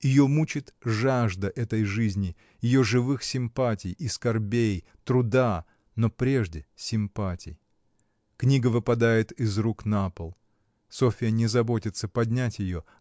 Ее мучит жажда этой жизни, ее живых симпатий и скорбей, труда, но прежде симпатий. Книга выпадает из рук на пол. Софья не заботится поднять ее